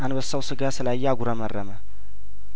አንበሳው ስጋ ስላ የአጉረመረ መ